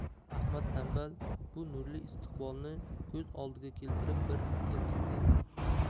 ahmad tanbal bu nurli istiqbolni ko'z oldiga keltirib bir entikdi